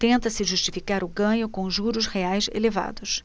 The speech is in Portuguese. tenta-se justificar o ganho com os juros reais elevados